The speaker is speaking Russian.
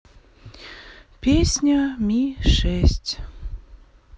песня ми шесть